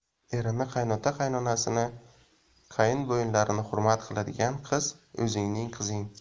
erini qaynota qaynonasini qaynbo'yinlarini hurmat qiladigan qiz o'zingning qizing